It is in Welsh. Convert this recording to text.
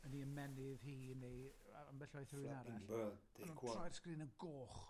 yn 'i ymennydd hi neu yy ambell waith rhwun arall, ma' nw'n troi'r sgrin yn goch.